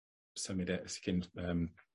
symud e s- cyn yym